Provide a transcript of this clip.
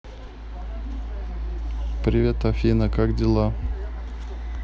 привет афина как дела